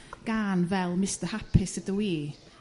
gân fel mistar hapus ydw i